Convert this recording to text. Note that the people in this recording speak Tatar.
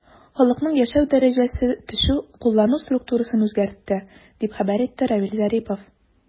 Халыкның яшәү дәрәҗәсе төшү куллану структурасын үзгәртте, дип хәбәр итте Равиль Зарипов.